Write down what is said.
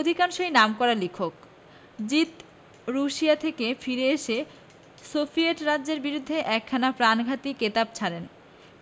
অধিকাংশই নামকরা লেখক জিদ রুশিয়া থেকে ফিরে এসে সোভিয়েট রাজ্যের বিরুদ্ধে একখানা প্রাণঘাতী কেতাব ছাড়েন